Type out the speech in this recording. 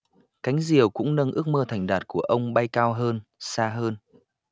cánh diều cũng nâng mơ ước thành đạt của ông bay cao hơn xa hơn